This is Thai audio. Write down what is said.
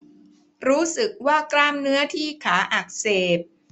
รู้สึกว่ากล้ามเนื้อที่ขาอักเสบ